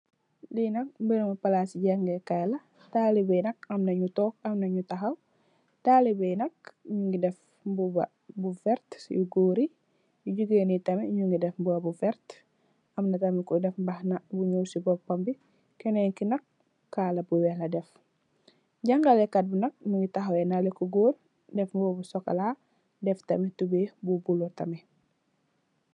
Li nak barabi palasi jangèè kai la talibeh yi nak am na ñu tóóg am na ñu taxaw. Talibeh yi nak ñu ngi dèf mbuba bu werta ci gór yi, ci jigeen yi tamit ñu ngi dèf mbuba yu werta, am na tam ku dèf mbàxna bu ñuul ci bópambi. Kenen ki nak kala bu wèèx la dèf. Jangalekai bi nak mugii taxaw we nale ku gór dèf mbuba bu sokola dèf tam tubay bu bula tamit.